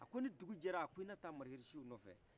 a ko ni dugu jɛra a ko i na taa marihisu nɔfɛ